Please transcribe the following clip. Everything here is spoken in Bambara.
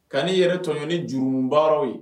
Kani yɛrɛ tɔ ni juruurun baara ye